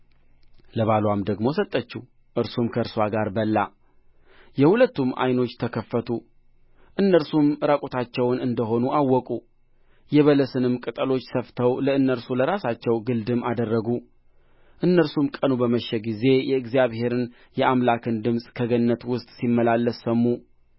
ለባልዋም ደግሞ ሰጠችው እርሱም ከእርስዋ ጋር በላ የሁለቱም ዓይኖች ተከፈቱ እነርሱም ዕራቁታቸውን እንደ ሆኑ አወቁ የበለስንም ቅጠሎች ሰፍተው ለእነርሱ ለራሳቸው ግልድም አደረጉ እነርሱም ቀኑ በመሸ ጊዜ የእግዚአብሔርን የአምላክን ድምፅ ከገነት ውስጥ ሲመላለስ ሰሙ